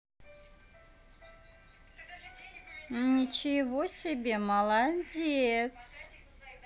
ничего себе молодец